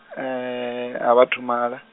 a vha athu mala.